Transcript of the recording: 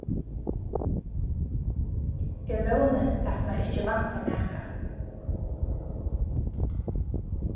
eg vóni at mær ikki vantar nakað